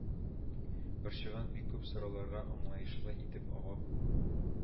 Борчыган бик күп сорауларга аңлаешлы итеп авап